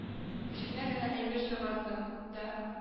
Кечкенә генә әйбер чыгарды да